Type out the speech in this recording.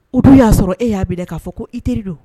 U' y'a sɔrɔ e y'a bila k'a fɔ ko i terieli don